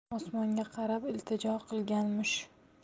osmonga qarab iltijo qilganmish